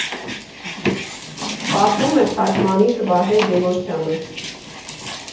Պատմում է թարգմանիչ Վահե Գևորգյանը։